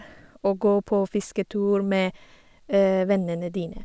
Og gå på fisketur med vennene dine.